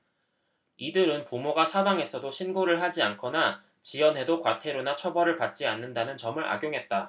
이들은 부모가 사망했어도 신고를 하지 않거나 지연해도 과태료나 처벌을 받지 않는다는 점을 악용했다